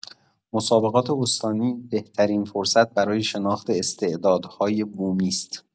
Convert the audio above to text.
مسابقات استانی بهترین فرصت برای شناخت استعدادهای بومی است.